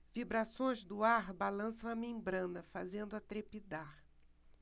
vibrações do ar balançam a membrana fazendo-a trepidar